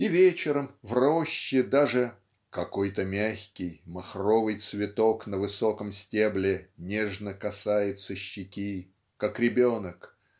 И вечером в роще даже "какой-то мягкий махровый цветок на высоком стебле нежно касается щеки как ребенок